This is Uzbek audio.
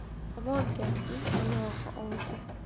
yomon gapning oyog'i olti